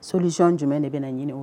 Soson jumɛn de bɛ ɲini